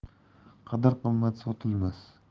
qadr qimmat sotilmas